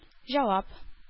Җавап